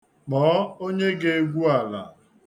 Kpọọ onye ga-egwu ala.